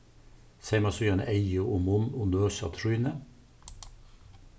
seyma síðan eygu og munn og nøs á trýnið